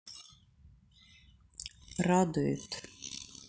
радует